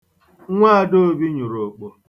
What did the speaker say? Nwa Adaobi nyụrụ okpo.